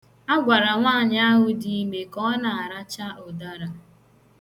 A gwara nwaanyị ahụ di ime ka ọ na-aracha ụdara.